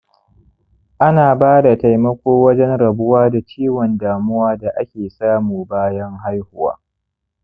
ana ba da taimako wajen rabuwa da ciwon damuwa da ake samu bayan haihuwa.